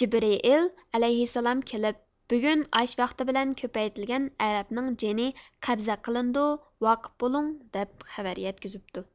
جىبرىئىل ئەلەيھىسسالام كېلىپ بۈگۈن ئاش ۋاقتى بىلەن كۆپەيتىلگەن ئەرەبنىڭ جېنى قەبزە قىلىنىدۇ ۋاقىپ بولۇڭ دەپ خەۋەر يەتكۈزۈپتۇ